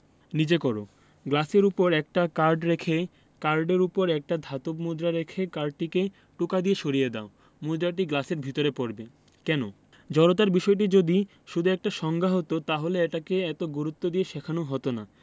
নিজে করো গ্লাসের উপর একটা কার্ড রেখে কার্ডের উপর একটা ধাতব মুদ্রা রেখে কার্ডটিকে টোকা দিয়ে সরিয়ে দাও মুদ্রাটি গ্লাসের ভেতর পড়বে কেন জড়তার বিষয়টি যদি শুধু একটা সংজ্ঞা হতো তাহলে এটাকে এত গুরুত্ব দিয়ে শেখানো হতো না